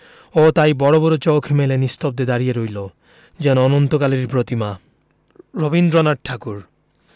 ও তাই বড় বড় চোখ মেলে নিস্তব্ধ দাঁড়িয়ে রইল যেন অনন্তকালেরই প্রতিমা রবীন্দ্রনাথ ঠাকুর